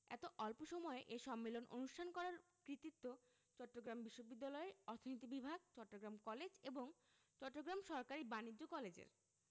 এত অল্প এ সম্মেলন অনুষ্ঠান করার কৃতিত্ব চট্টগ্রাম বিশ্ববিদ্যালয়ের অর্থনীতি বিভাগ চট্টগ্রাম কলেজ এবং চট্টগ্রাম সরকারি বাণিজ্য কলেজের